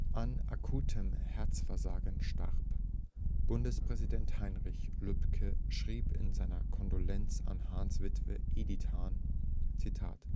an akutem Herzversagen verstarb. Bundespräsident Heinrich Lübke schrieb in seiner Kondolenz an Hahns Witwe Edith Hahn